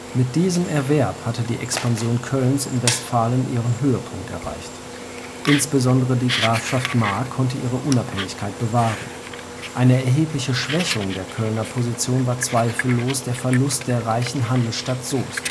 Mit diesem Erwerb hatte die Expansion Kölns in Westfalen ihren Höhepunkt erreicht. Insbesondere die Grafschaft Mark konnte ihre Unabhängigkeit bewahren. Eine erhebliche Schwächung der Kölner Position war zweifellos der Verlust der reichen Handelsstadt Soest